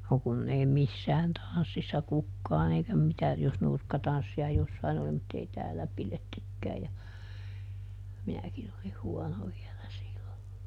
no kun ei missään tanssissa kukaan eikä mitä jos nurkkatanssia jossakin oli mutta ei täällä pidettykään ja minäkin olin huono vielä silloin